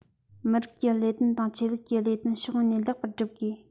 མི རིགས ཀྱི ལས དོན དང ཆོས ལུགས ཀྱི ལས དོན ཕྱོགས ཡོངས ནས ལེགས པར བསྒྲུབ དགོས